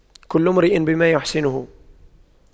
كل امرئ بما يحسنه